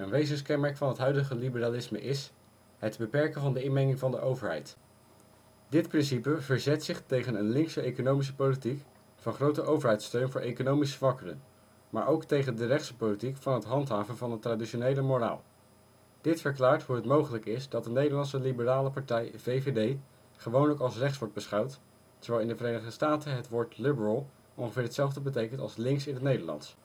wezenskenmerk van het huidige liberalisme is: het beperken van de inmenging van de overheid. Dit principe verzet zich tegen een linkse economische politiek van grote overheidssteun voor economisch zwakkeren, maar ook tegen de rechtse politiek van het handhaven van een traditionele moraal. Dit verklaart hoe het mogelijk is dat de Nederlandse liberale partij VVD gewoonlijk als rechts wordt beschouwd, terwijl in de Verenigde Staten het woord liberal ongeveer hetzelfde betekent als links in het Nederlands